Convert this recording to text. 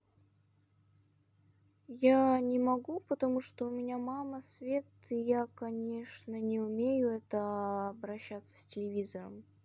я не могу потому что у меня мама светы я конечно не умею это обращаться с телевизором